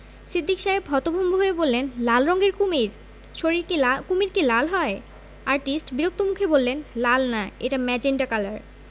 সিদ্দিক সাহেব হতভম্ব হয়ে বললেন লাল রঙের কুমীর শরির কি লা কুমীর কি লাল হয় আর্টিস্ট বিরক্ত মুখে বললেন লাল না এটা মেজেন্টা কালার